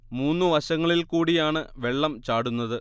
മൂന്നു വശങ്ങളിൽ കൂടിയാണ് വെള്ളം ചാടുന്നത്